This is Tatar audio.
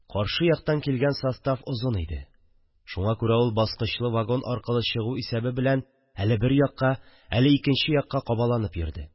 Каршы яктан килгән состав озын иде, шуңа күрә ул баскычлы вагон аркылы чыгу исәбе белән әле бер якка, әле икенче якка кабаланып йөрде